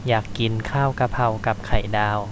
อยากกินข้าวกะเพรากับไข่ดาว